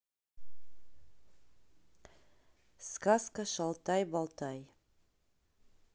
сказка шалтай болтай